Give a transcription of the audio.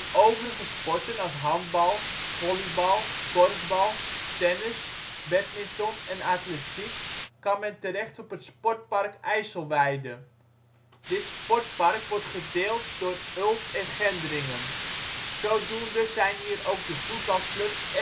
overige sporten als handbal, volleybal, korfbal, tennis, badminton en atletiek kan men terecht op het sportpark IJsselweide. Dit sportpark wordt gedeeld door Ulft en Gendringen. Zodoende zijn hier ook de voetbalclubs